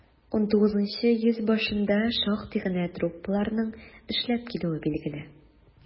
XIX йөз башында шактый гына труппаларның эшләп килүе билгеле.